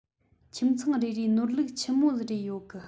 ཁྱིམ ཚང རེ རེ ནོར ལུག ཆི མོ རེ ཡོད གི